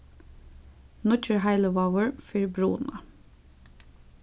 nýggjur heilivágur fyri bruna